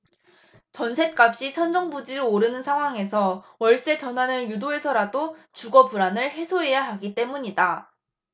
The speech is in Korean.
전셋값이 천정부지로 오르는 상황에서 월세 전환을 유도해서라도 주거 불안을 해소해야 하기 때문이다